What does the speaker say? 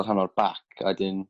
fel rhan o'r bac a 'dyn